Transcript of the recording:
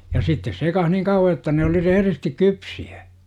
ja sitten sekaan niin kauan jotta ne oli rehdisti kypsiä